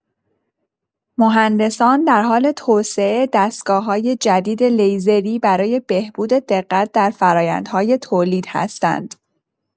مهندسان در حال توسعه دستگاه‌های جدید لیزری برای بهبود دقت در فرآیندهای تولید هستند.